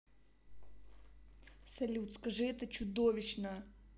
салют скажи это чудовищно